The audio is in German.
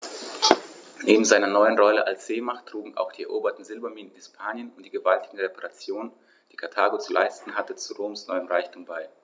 Neben seiner neuen Rolle als Seemacht trugen auch die eroberten Silberminen in Hispanien und die gewaltigen Reparationen, die Karthago zu leisten hatte, zu Roms neuem Reichtum bei.